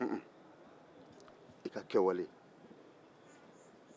unhun i ka kɛwale